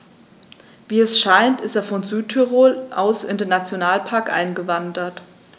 Wie es scheint, ist er von Südtirol aus in den Nationalpark eingewandert.